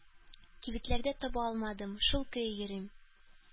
Кибетләрдә таба алмадым, шул көе йөрим.